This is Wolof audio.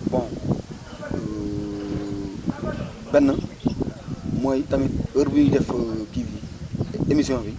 bon benn mooy tamit heure bu ñuy def kii bi émission bi